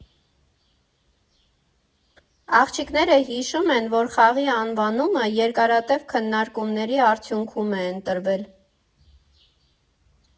Աղջիկները հիշում են, որ խաղի անվանումը երկարատև քննարկումների արդյունքում է ընտրվել։